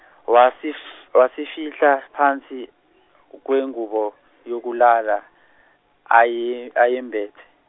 wasif- wasifihla phansi kwengubo yokulala, aye- ayembethe.